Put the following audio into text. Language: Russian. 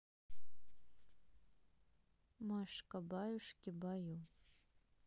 машка баюшки баю